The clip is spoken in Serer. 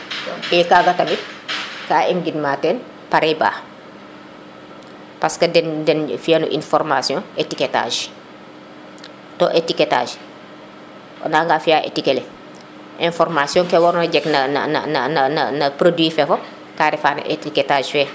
i kaga tamit ka i ŋidma teen Parba parce que den den fiya nu in formation etiquetage to etiquetage o nanga fiya etiquer le information ke warona jeg na na na na produit fa fop ka refa no etiquetage :frafe